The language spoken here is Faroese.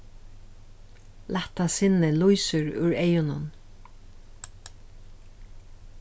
lætta sinnið lýsir úr eygunum